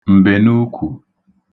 m̀bènuukwù